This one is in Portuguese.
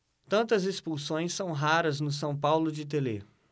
tantas expulsões são raras no são paulo de telê